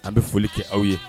Aw bɛ foli kɛ aw ye